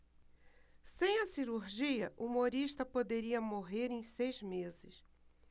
sem a cirurgia humorista poderia morrer em seis meses